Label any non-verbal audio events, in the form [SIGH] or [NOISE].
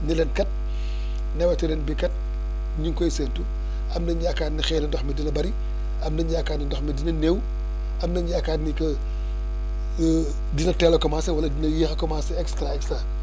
ni leen kat [BREATH] nawetu ren bii kat ñu ngi koy séntu [BREATH] am nañ yaakaar ne xëy na ndox mi dina bëri am nañ yaakaar ne ndox mi dina néew am nañ yaakaar ni que [HESITATION] dina teel a commencé wala dina yéex a commencé et cetera :ak et cetera